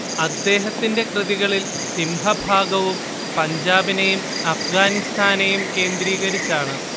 അദ്ദേഹത്തിന്റെ കൃതികളിൽ സിംഹഭാഗവും പഞ്ചാബിനെയും അഫ്ഗാനിസ്ഥാനെയും കേന്ദ്രീകരിച്ചാണ്